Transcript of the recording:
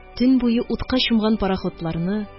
Төн буе утка чумган парахутларны,